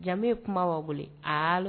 Jamu ye kuma b'aw wele